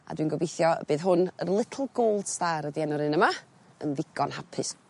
a dwi'n gobithio fydd hwn yr little gold star ydi enw'r un yma yn ddigon hapus.